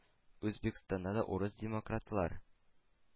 Үзбәкстанда да урыс демократлар,